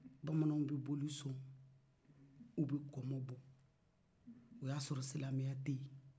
bamanan bɛ boli sɔn u bɛ komo bɔ o y'a sɔrɔ silamɛya tɛ yen